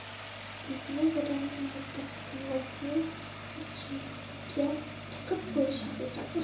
begunoh odamni muttahamlarning ichiga tiqib qo'yish haqiqatmi